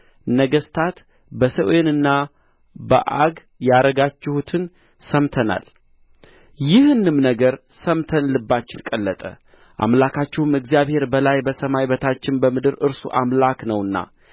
ነገሥታት በሴዎንና በዐግ ያደረጋችሁትን ሰምተናል ይህንም ነገር ሰምተን ልባችን ቀለጠ አምላካችሁም እግዚአብሔር በላይ በሰማይ በታችም በምድር እርሱ አምላክ ነውና